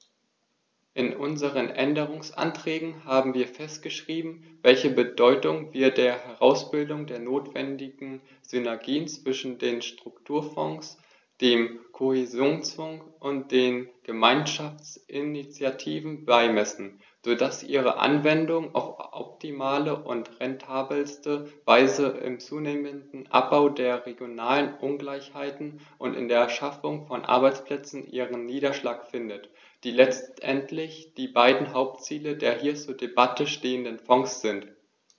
In unseren Änderungsanträgen haben wir festgeschrieben, welche Bedeutung wir der Herausbildung der notwendigen Synergien zwischen den Strukturfonds, dem Kohäsionsfonds und den Gemeinschaftsinitiativen beimessen, so dass ihre Anwendung auf optimale und rentabelste Weise im zunehmenden Abbau der regionalen Ungleichheiten und in der Schaffung von Arbeitsplätzen ihren Niederschlag findet, die letztendlich die beiden Hauptziele der hier zur Debatte stehenden Fonds sind.